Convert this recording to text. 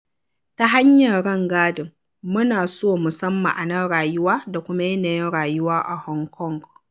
Ta hanyar rangadin, muna so mu san ma'anar rayuwa da kuma yanayin rayuwa a Hong Kong.